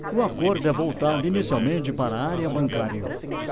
o acordo é voltado inicialmente para a área bancária